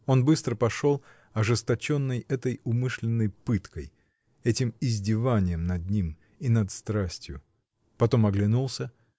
Он быстро пошел, ожесточенный этой умышленной пыткой, этим издеванием над ним и над страстью. Потом оглянулся.